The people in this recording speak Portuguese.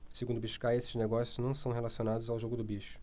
segundo biscaia esses negócios não são relacionados ao jogo do bicho